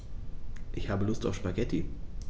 Ich habe Lust auf Spaghetti.